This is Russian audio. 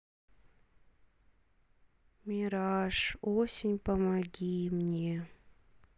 мираж осень помоги мне